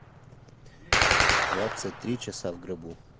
двадцать три часа в гробу